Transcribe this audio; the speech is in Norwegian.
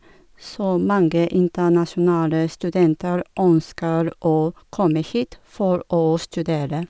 Så mange internasjonale studenter ønsker å komme hit for å studere.